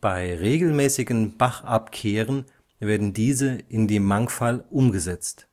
Bei regelmäßigen Bachabkehren (Fischereivereine) werden diese in die Mangfall umgesetzt